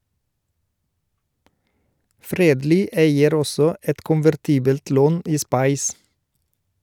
Fredly eier også et konvertibelt lån i SPICE.